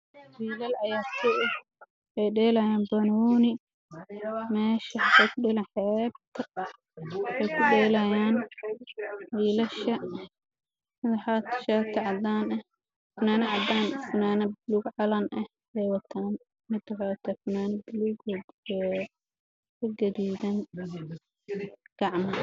Wilal ay dhelayaan banooni meesha waa xeebta